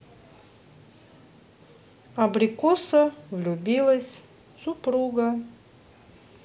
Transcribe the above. абрикоса влюбилась супруга